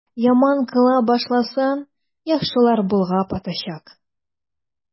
Яман кыла башласаң, яхшылар болгап атачак.